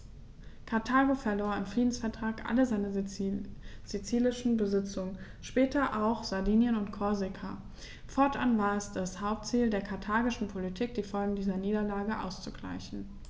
Karthago verlor im Friedensvertrag alle seine sizilischen Besitzungen (später auch Sardinien und Korsika); fortan war es das Hauptziel der karthagischen Politik, die Folgen dieser Niederlage auszugleichen.